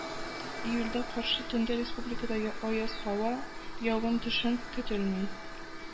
Июльгә каршы төндә республикада аяз һава, явым-төшем көтелми